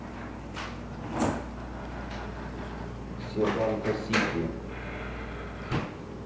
седанка сити